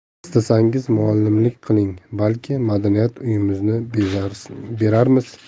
istasangiz muallimlik qiling balki madaniyat uyimizni berarmiz